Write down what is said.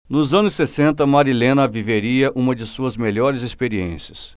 nos anos sessenta marilena viveria uma de suas melhores experiências